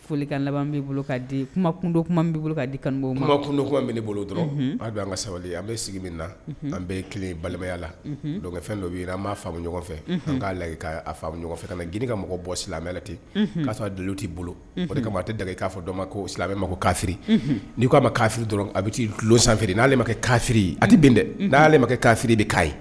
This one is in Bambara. Folikan laban bolo di kumado kuma bɛ bolo ka di kanuko kundo kuma bolo dɔrɔn don an ka sabali an bɛ sigi min na an bɛ kelen balimaya la fɛn dɔ an m'a faamumu ɲɔgɔnɔgɔfɛ k'a fɛ ka gi ka mɔgɔ bɔ silamɛ ten'a sɔrɔ a dulo t'i bolo kama a tɛ da k'a fɔ dɔ ma ko silamɛ ma ko kafi n'i koa ma kafi dɔrɔn a bɛ taai dulo sanfiri n'ale ma kafi a bɛn dɛ n' ale ma kɛ kafi de k'a ye